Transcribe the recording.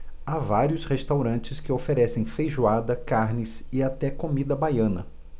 há vários restaurantes que oferecem feijoada carnes e até comida baiana